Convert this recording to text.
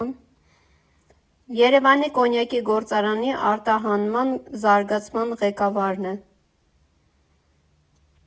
Երևանի կոնյակի գործարանի արտահանման զարգացման ղեկավարն է։